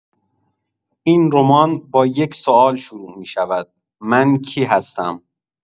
این رمان با یک سئوال شروع می‌شود «من کی هستم؟»